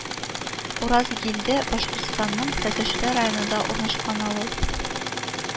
Уразгилде Башкортстанның Тәтешле районында урнашкан авыл